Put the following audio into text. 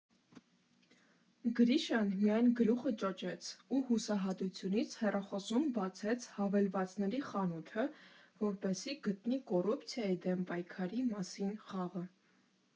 Գրիշան միայն գլուխը ճոճեց ու հուսահատությունից հեռախոսում բացեց հավելվածների խանութը, որպեսզի գտնի կոռուպցիայի դեմ պայքարի մասին խաղը։